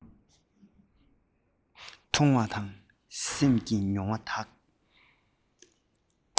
མཐོང བ དང སེམས ཀྱི མྱོང བ དག